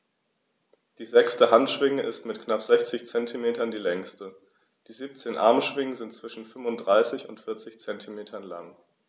Die sechste Handschwinge ist mit knapp 60 cm die längste. Die 17 Armschwingen sind zwischen 35 und 40 cm lang.